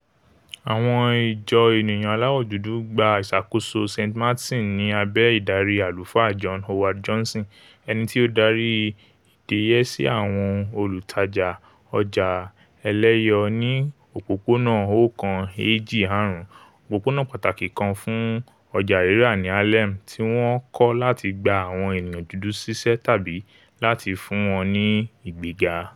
Àwọn ìjọ eniyan aláwo dúdú gbà ìsàkóso St. Martin ni ábẹ ìdárí Àlùfáà John Howard Johnson, ẹnití ó darí ìdẹyẹsí àwọn olùtajà ọja ẹlẹyọ ní Òpópónà 125, òpópónà pàtàkì kan fun ọjà rírà ní Harlem, tí wọn kọ lati gba àwọn eniyan dúdú si iṣẹ́ tàbí lati fún wọn ní ìgbéga.